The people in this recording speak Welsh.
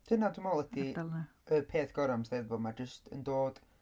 Dyna dwi'n meddwl ydi... ardal neu. ...y peth gorau am 'Steddfod, ma' jyst yn dod...